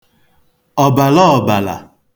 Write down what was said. ọ̀bàla ọ̀bàlà